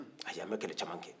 ayi a ma kelɛ caman kɛ